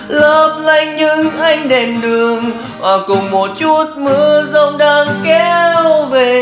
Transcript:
lấp lánh những ánh đèn đường hòa cùng một chút mưa giông đang kéo về